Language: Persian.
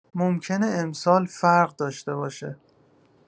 ممکنه امسال فرق داشته باشه.